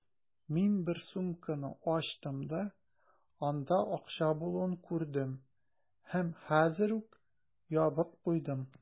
Мин бер сумканы ачтым да, анда акча булуын күрдем һәм хәзер үк ябып куйдым.